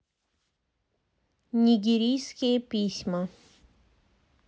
нигерийские письма